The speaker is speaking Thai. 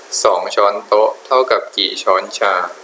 สองช้อนโต๊ะเท่ากับกี่ช้อนชา